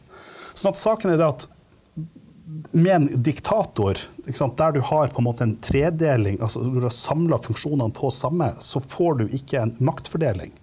sånn at saken er det at med en diktator ikke sant, der du har på en måte en tredeling, altså du har samla funksjonene på samme, så får du ikke en maktfordeling.